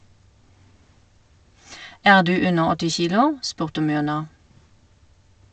Er du under åtti kilo, spurte Myrna.